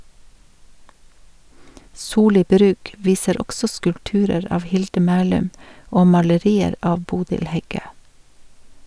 Soli Brug viser også skulpturer av Hilde Mæhlum og malerier av Bodil Heggø.